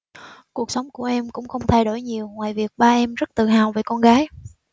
cuộc sống của em cũng không thay đổi nhiều ngoài việc ba em rất tự hào về con gái